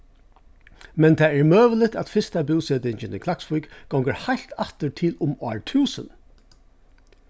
men tað er møguligt at fyrsta búsetingin í klaksvík gongur heilt aftur til um ár túsund